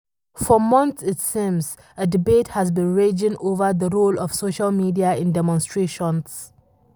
For months it seems, a debate has been raging over the role of social media in demonstrations.